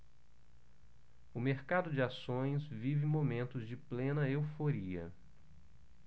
o mercado de ações vive momentos de plena euforia